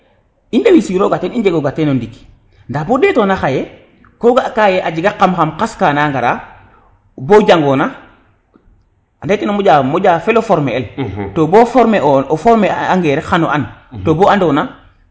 i reussir oga ten i njego ga ten o ndik nda bo ndeto na xaye ko ga ka ye a jega xam xam kas kana ngara bo jangona ande teno moƴa felo former el to bo former ange rek xano and to bo ando na